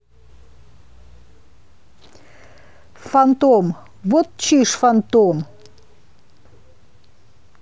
fantom вот чиж фантом